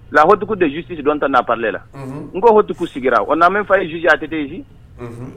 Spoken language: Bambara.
La hdugu dejusi dɔn ta naprela n ko htigiw sigira wa n'an fa yejtɛ